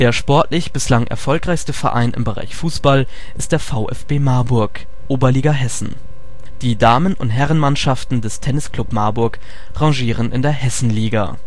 sportlich bislang erfolgreichste Verein im Bereich Fußball ist der VfB Marburg (Oberliga Hessen). Die Damen - und Herrenmannschaften des Tennisclub Marburg rangieren in der Hessenliga